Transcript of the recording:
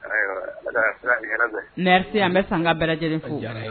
An bɛ san ka bɛ lajɛlen fo